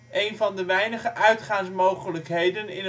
een van de weinige uitgaansmogelijkheden